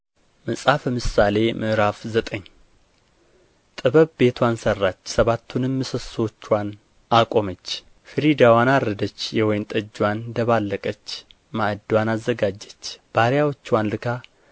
መጽሐፈ ምሳሌ ምዕራፍ ዘጠኝ ጥበብ ቤትዋን ሠራች ሰባቱንም ምሰሶችዋን አቆመች ፍሪዳዋን አረደች የወይን ጠጅዋን ደባለቀች ማዕድዋን አዘጋጀች ባሪያዎችዋን ልካ